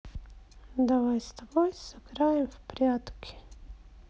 давай с тобой сыграем в прятки